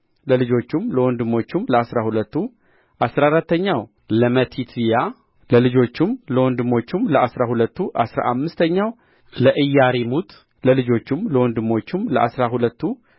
ለልጆቹም ለወንድሞቹም ለአሥራ ሁለቱ አሥራ አራተኛው ለመቲትያ ለልጆቹም ለወንድሞቹም ለአሥራ ሁለቱ አሥራ አምስተኛው ለኢያሪሙት ለልጆቹም ለወንድሞቹም ለአሥራ ሁለቱ